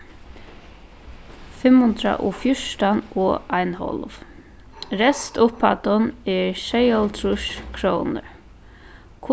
fimm hundrað og fjúrtan og ein hálv restupphæddin er sjeyoghálvtrýss krónur